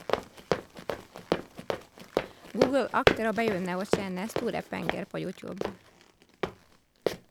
Google akter å begynne å tjene store penger på YouTube.